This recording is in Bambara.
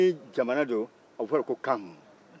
mɛ ni jamana don a bɛ fɔ de ko kam